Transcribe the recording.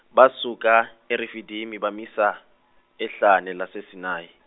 basuka eRefidimi bamisa ehlane laseSinayi.